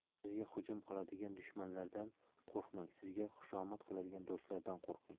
sizga hujum qiladigan dushmanlardan qo'rqmang sizga xushomad qiladigan do'stlardan qo'rqing